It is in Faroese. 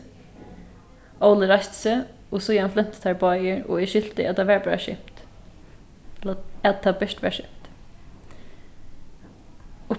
óli reisti seg og síðani flentu teir báðir og eg skilti at tað var bara skemt at tað bert var skemt